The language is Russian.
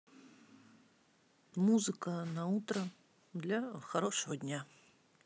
музыка на утро для хорошего дня